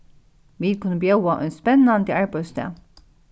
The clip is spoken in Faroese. vit kunnu bjóða ein spennandi arbeiðsdag